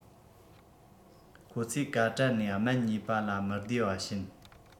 ཁོ ཚོས གཱ དྲད ནས སྨན ཉོས པ ལ མི བདེ བ བྱིན